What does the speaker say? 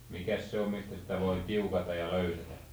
mikäs se on mistä sitä voi tiukata ja löysätä